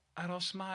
Aros Mai?